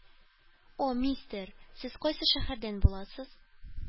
О, мистер, сез кайсы шәһәрдән буласыз?